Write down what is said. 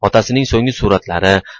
otasining so'nggi suratlari